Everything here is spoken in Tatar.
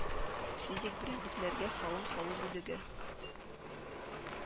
Физик берәмлекләргә салым салу бүлеге